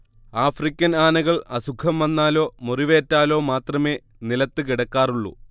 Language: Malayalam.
ആഫ്രിക്കൻ ആനകൾ അസുഖം വന്നാലോ മുറിവേറ്റാലോ മാത്രമേ നിലത്ത് കിടക്കാറുള്ളൂ